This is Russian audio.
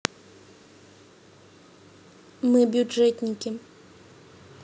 мы бюджетники